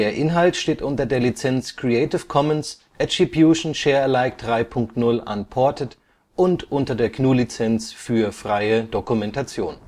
Inhalt steht unter der Lizenz Creative Commons Attribution Share Alike 3 Punkt 0 Unported und unter der GNU Lizenz für freie Dokumentation